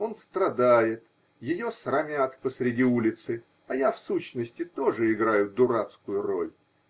он страдает, ее срамят посреди улицы, а я, в сущности, тоже играю дурацкую роль.